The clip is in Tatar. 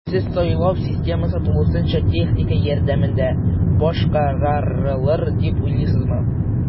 Сез сайлау системасы тулысынча техника ярдәмендә башкарарылыр дип уйлыйсызмы?